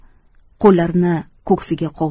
qo'llarini ko'ksiga